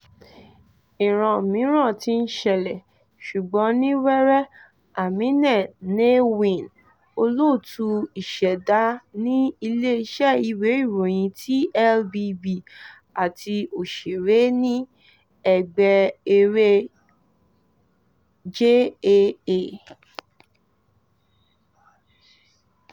"Ìran mìíràn ti ń ṣẹlẹ̀, ṣùgbọ́n ní wẹ́rẹ́," Amine Nawny, olóòtú ìṣẹ̀dá ní ilé-iṣẹ́ ìwé-ìròyìn TLBB àti òṣèré ní ẹgbẹ́ eré JAA.